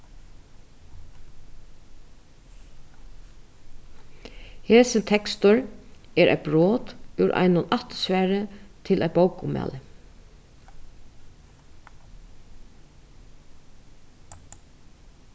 hesin tekstur er eitt brot úr einum aftursvari til eitt bókaummæli